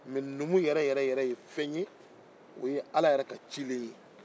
mɛ numu yɛrɛyɛrɛ ye fɛn ye o ye ala ka cilen ye